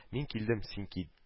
Мин килдем, син кит